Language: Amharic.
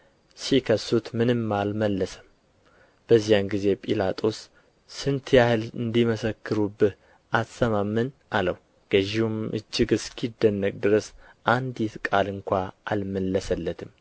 ሲከሱት ምንም አልመለሰም በዚያን ጊዜ ጲላጦስ ስንት ያህል እንዲመሰክሩብህ አትሰማምን አለው ገዢውም እጅግ እስኪደነቅ ድረስ አንዲት ቃል ስንኳ አልመለሰለትም